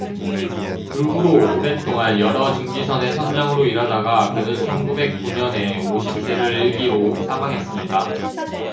그 후로 오랫동안 여러 증기선의 선장으로 일하다가 그는 천 구백 구 년에 오십 세를 일기로 사망했습니다